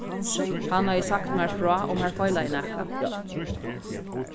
hann hevði sagt mær frá um har feilaði nakað